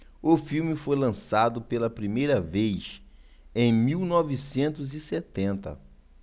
o filme foi lançado pela primeira vez em mil novecentos e setenta